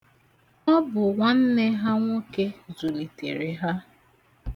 Ọ bụ nwanne ha nwoke zụlitere ha.